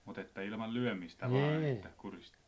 mutta että ilman lyömistä vain että kuristi